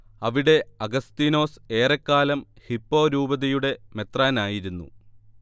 അവിടെ അഗസ്തീനോസ് ഏറെക്കാലം ഹിപ്പോ രൂപതയുടെ മെത്രാനായിരിരുന്നു